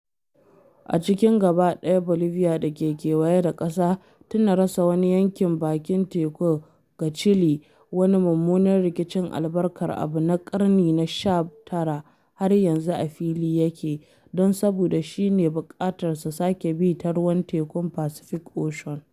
A cikin gaba ɗaya Bolivia da ke kewaye da ƙasa, tuna rasa wani yankin bakin teku ga Chile wani mummunan rikicin albarkar abu na ƙarni na 19 har yanzu a fili a yake - don saboda shi ne buƙatar su sake bi ta ruwan Tekun Pacific Ocean.